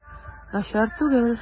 Начар түгел.